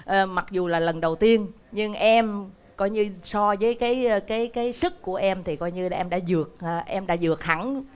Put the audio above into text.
à mặc dù là lần đầu tiên nhưng em coi như so với cái cái cái sức của em thì coi như em đã vượt em đã vượt hẳn